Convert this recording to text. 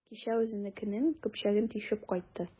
Кичә үзенекенең көпчәген тишеп кайтты.